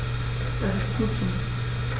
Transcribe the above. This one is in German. Das ist gut so.